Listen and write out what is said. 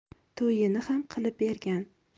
to'yini ham qilib bergan